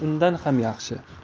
undan ham yaxshi